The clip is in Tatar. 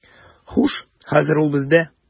Хуш, хәзер ул бездә.